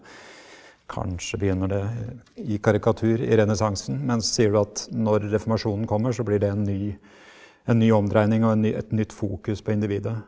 kanskje begynner det i karikatur i renessansen men sier du at når reformasjonen kommer så blir det en ny en ny omdreining og en ny et nytt fokus på individet.